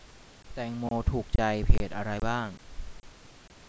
แตงโมถูกใจเพจอะไรบ้าง